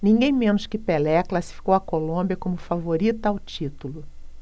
ninguém menos que pelé classificou a colômbia como favorita ao título